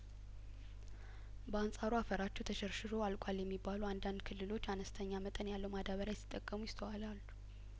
በአንጻሩ አፈራቸው ተሸርሽ ሮ አልቋል የሚባሉ አንዳንድ ክልሎች አነስተኛ መጠን ያለው ማዳበሪያሲጠቀሙ ይስተዋላሉ